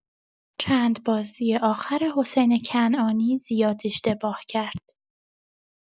چند بازی آخر حسین کنعانی زیاد اشتباه کرد.